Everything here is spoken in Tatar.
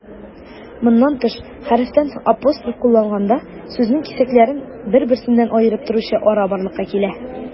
Моннан тыш, хәрефтән соң апостроф кулланганда, сүзнең кисәкләрен бер-берсеннән аерып торучы ара барлыкка килә.